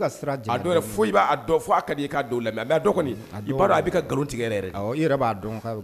kaden a foyi b'a dɔn fo a ka i ka la mɛ a a a bɛ ka nkalon tigɛ yɛrɛ i yɛrɛ b'a dɔn